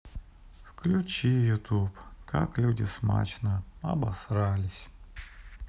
включи ютуб как люди смачно обосрались